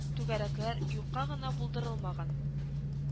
Түгәрәкләр юкка гына булдырылмаган